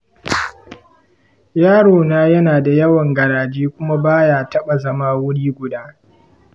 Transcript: yarona yana da yawan garaje kuma ba ya taɓa zama wuri guda